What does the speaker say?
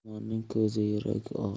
yomonning ko'zi yurak og'ritar